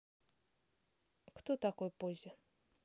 кто такой поззи